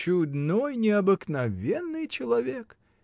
— Чудный, необыкновенный человек!